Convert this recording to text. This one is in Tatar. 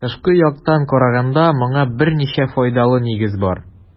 Тышкы яктан караганда моңа берничә файдалы нигез бар.